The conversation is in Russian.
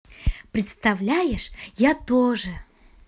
представляешь я тоже